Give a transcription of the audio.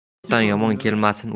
yotdan yomon kelmasin